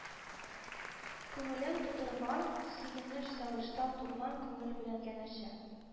Күңелен тутырган, сөенеч-сагыштан тулган күңел белән янәшә